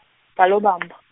kaLobamba.